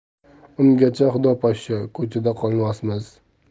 ungacha xudo poshsho ko'chada qolmasmiz